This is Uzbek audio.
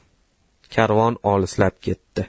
karvon olislab ketdi